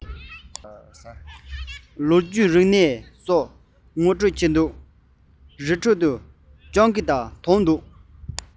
ལོ རྒྱུས རིག གནས སོགས ངོ སྤྲོད བྱས འདུག རི ཁྲོད དུ སྤྱང ཀི དང དོམ